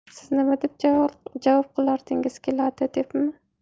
siz nima deb javob qilardingiz keladi derdim